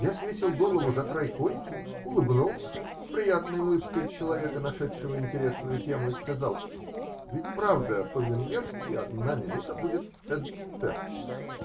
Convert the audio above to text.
Я свесил голову за край койки, улыбнулся приятной улыбкой человека, нашедшего интересную тему, и сказал: -- Ведь правда, по венгерски "одна минута" будет "эд перц"?